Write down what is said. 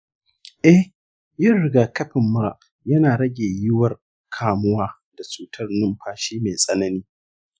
eh, yin rigakafin mura yana rage yiwuwar kamuwa da cutar numfashi mai tsanani.